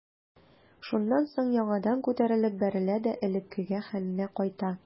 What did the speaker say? Шуннан соң яңадан күтәрелеп бәрелә дә элеккеге хәленә кайта.